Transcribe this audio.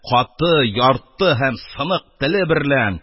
Каты, ярты һәм сынык теле берлән: